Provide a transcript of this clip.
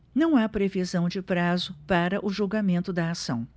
não há previsão de prazo para o julgamento da ação